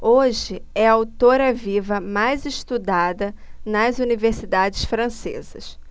hoje é a autora viva mais estudada nas universidades francesas